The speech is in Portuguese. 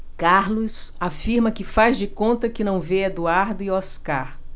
carlos afirma que faz de conta que não vê eduardo e oscar